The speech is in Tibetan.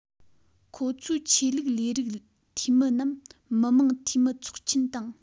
ཁོ ཚོའི ཆོས ལུགས ལས རིགས འཐུས མི རྣམས མི དམངས འཐུས མི ཚོགས ཆེན དང